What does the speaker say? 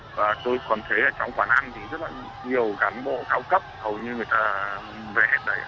và tôi còn thấy là trong quán ăn thì rất là nhiều cán bộ cao cấp hầu như người ta về hết đây